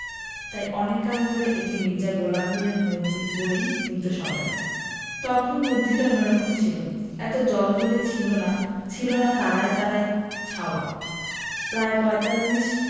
তাই অনেক কাল ধরে একে মির্জা গোলাম পীরের মসজিদ বলেই চিনতো সবাই তখন মসজিদটা অন্যরকম ছিল এত জ্বলজ্বলে ছিল না ছিলনা তারায় তারায় ছাওয়া প্রায় পঁয়তাল্লিশ